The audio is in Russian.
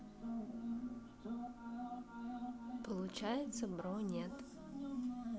получается бро нет